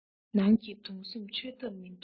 ནང གི དུང སེམས ཆོད ཐབས མིན འདུག